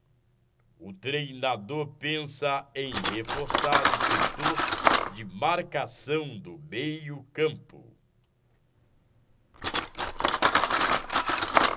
o treinador pensa em reforçar o setor de marcação do meio campo